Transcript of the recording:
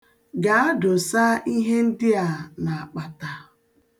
Gaa, dosa ihe ndị a n'akpata.